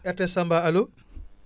RTS tamba alloo